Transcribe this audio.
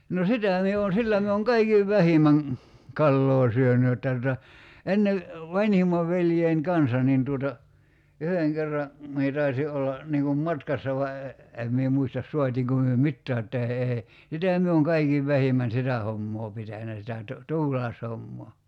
no sitä minä olen sillä minä olen kaikkein vähimmän kalaa syönyt jotta tuota ennen vanhimman veljeni kanssa niin tuota yhden kerran minä taisin olla niin kuin matkassa vain - en minä muista saatiinko me mitään jotta - ei sitä minä olen kaikkein vähimmän sitä hommaa pitänyt sitä - tuulaishommaa